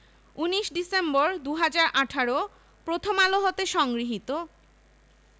২৯ December ২০১৮ Prothom Alo হতে সংগৃহীত